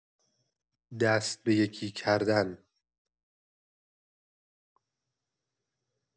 دست به یکی کردن